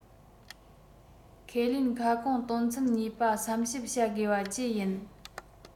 ཁས ལེན ཁ སྐོང དོན ཚན གཉིས པ བསམ ཞིབ བྱ དགོས པ བཅས ཡིན